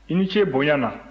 i ni ce bonya na